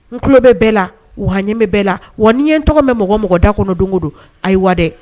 N tulolo bɛ bɛɛ la wa ɲɛmɛ bɛɛ la wa ni ye n tɔgɔ bɛ mɔgɔ mɔgɔda kɔnɔ don don ayi wa dɛ